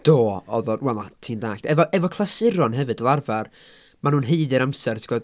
Do. Oedd o, wel mae, ti'n dallt. Efo efo clasuron hefyd fel arfer maen nhw'n haeddu'r amser ti'n gwybod?